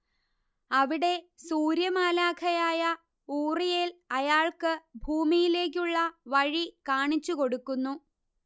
അവിടെ സൂര്യമാലാഖയായ ഊറിയേൽ അയാൾക്ക് ഭൂമിയിലേയ്ക്കുള്ള വഴി കാണിച്ചുകൊടുക്കുന്നു